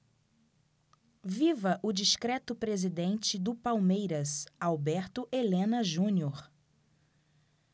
viva o discreto presidente do palmeiras alberto helena junior